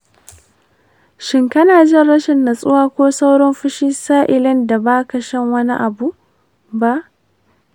shin kana jin rashin natsuwa ko saurin fushi sa'ilin da baka sha wani abu ba?